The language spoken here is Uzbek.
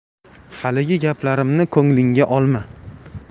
haligi gaplarimni ko'nglingga olma